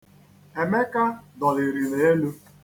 Emeka dọliri m elu.